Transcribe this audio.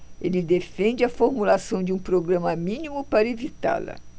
ele defende a formulação de um programa mínimo para evitá-la